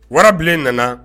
Warabilen nana